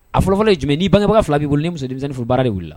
A fɔlɔfɔlɔ jumɛn'i bangebaga fila b'i ni musodensenfo baara de wili